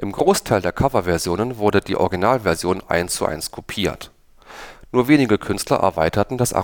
Großteil der Cover-Versionen wurde die Original-Version 1:1 kopiert. Nur wenige Künstler erweiterten das